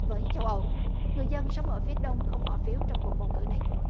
với châu âu người dân sống ở phía đông không bỏ phiếu trong cuộc bầu cử này